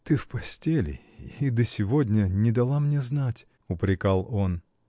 — Ты в постели — и до сегодня не дала мне знать! — упрекал он.